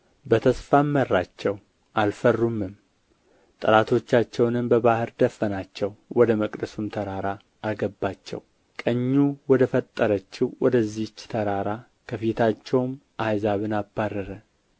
በተስፋም መራቸው አልፈሩምም ጠላቶቻቸውንም ባሕር ደፈናቸው ወደ መቅደሱም ተራራ አገባቸው ቀኙ ወደ ፈጠረችው ወደዚህች ተራራ ከፊታቸውም አሕዛብን አባረረ